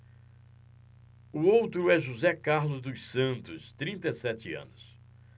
o outro é josé carlos dos santos trinta e sete anos